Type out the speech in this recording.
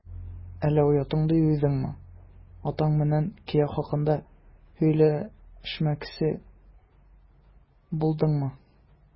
Әллә оятыңны җуйдыңмы, атаң белән кияү хакында сөйләшмәкче буласыңмы? ..